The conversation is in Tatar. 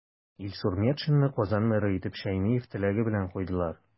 Илсур Метшинны Казан мэры итеп Шәймиев теләге белән куйдылар.